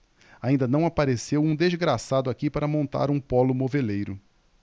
ainda não apareceu um desgraçado aqui para montar um pólo moveleiro